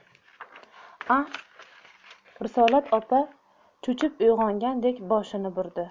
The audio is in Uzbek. a risolat opa cho'chib uyg'ongandek boshini burdi